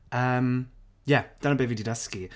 Yym ie dyna be fi 'di dysgu.